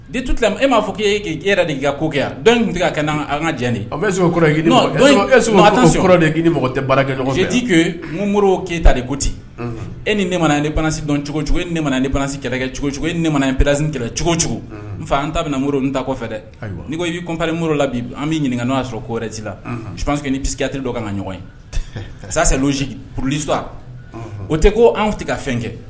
Ditu ti e m'a fɔ k'e e yɛrɛ y'i ka ko kɛ yan dɔn tun ka an ka jan mɔgɔ tɛkɛ'ke muru keyita de ko ten e ni ne nesi dɔn cogo cogo ne nesi kɛlɛ kɛ cogo e ne mana pzsi kɛlɛ cogo cogo n fa an ta mori n ta kɔ fɛ dɛ ni ko i'ita mori muru la an b bɛ ɲininka n''a sɔrɔ ko wɛrɛ' la suse'ire dɔ ka na ɲɔgɔn ye karisasi plsu o tɛ ko an tɛ ka fɛn kɛ